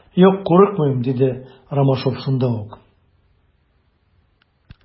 Юк, курыкмыйм, - диде Ромашов шунда ук.